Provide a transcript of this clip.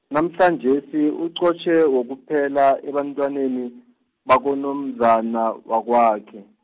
namhlanjesi uqotjhe wokuphela ebantwaneni, bakonomzana wakwakhe.